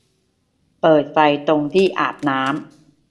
เปิดไฟตรงที่อาบน้ำ